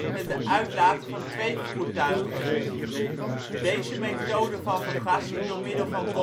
met de uitlaten van twee voertuigen. Deze methode van vergassing door middel van koolmonoxide